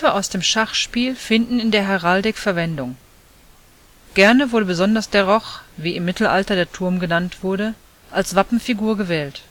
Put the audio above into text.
aus dem Schachspiel finden in der Heraldik Verwendung. Gerne wurde besonders der Roch, wie im Mittelalter der Turm genannt wurde, als Wappenfigur gewählt